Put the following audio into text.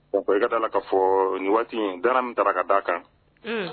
O ko i ka da ka fɔ nin waati in da min da d a kan